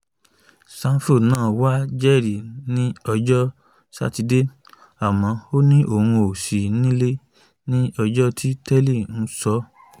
Sanford náà wá jẹ́rìí ní ọjọ́ Sátidé. Àmọ́ ó ní òun ò sí nílé ní ọjọ́ tí Telli ń sọ.